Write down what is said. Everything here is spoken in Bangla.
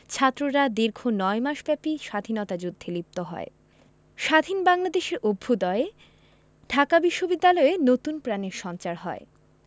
ছাত্ররা দীর্ঘ নয় মাসব্যাপী স্বাধীনতা যুদ্ধে লিপ্ত হয় স্বাধীন বাংলাদেশের অভ্যুদয়ে ঢাকা বিশ্ববিদ্যালয়ে নতুন প্রাণের সঞ্চার হয়